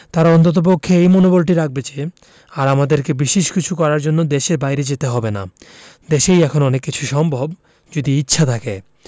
তারা অন্ততপক্ষে এই মনোবল রাখবে যে আর আমাদেরকে বিশেষ কিছু করার জন্য দেশের বাইরে যেতে হবে না দেশেই এখন অনেক কিছু সম্ভব যদি ইচ্ছা থাকে